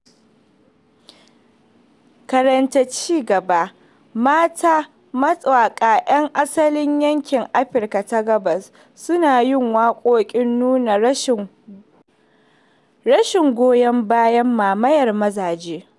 Karanta cigaba: Mata mawaƙa 'yan asalin yankin Afirka ta Gabas sun yi waƙoƙin nuna rashin goyon bayan mamayar mazaje.